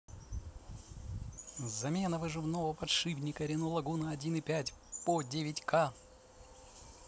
замена выжимного подшипника рено лагуна один и пять по девять ка